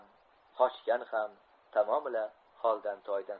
qochgan ham tamomila holdan toydi